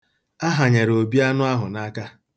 A hanyere Obi anụ ahụ n'aka.